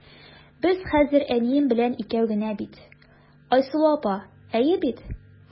Без хәзер әнием белән икәү генә бит, Айсылу апа, әйе бит?